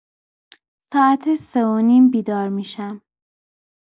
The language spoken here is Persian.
ساعت سه و نیم بیدار می‌شم.